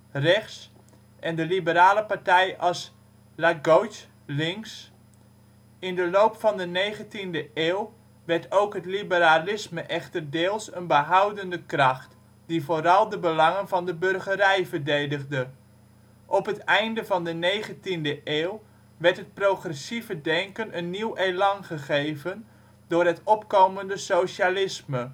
rechts) en de liberale " partij " als " la gauche " (links). In de loop van de 19de eeuw werd ook het liberalisme echter (deels) een behoudende kracht, die vooral de belangen van de burgerij verdedigde. Op het einde van de 19de eeuw werd het progressieve denken een nieuw élan gegeven door het opkomende socialisme